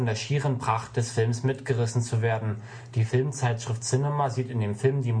schieren Pracht des Films mitgerissen zu werden “. Die Filmzeitschrift Cinema sieht in dem Film „ die monumentale